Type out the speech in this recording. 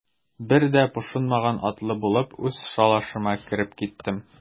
Бер дә пошынмаган атлы булып, үз шалашыма кереп киттем.